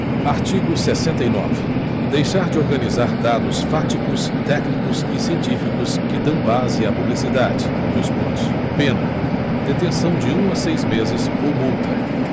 artigo sessenta e nove deixar de organizar dados fáticos técnicos e científicos que dão base à publicidade dois pontos pena detenção de um a seis meses ou multa